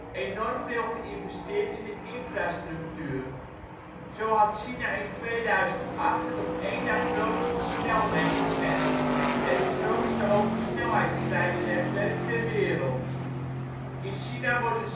enorm veel geïnvesteerd in de infrastructuur. Zo had China in 2008 het op één na grootste snelwegennet en het grootste hogesnelheidstreinennetwerk ter wereld. In China worden sinds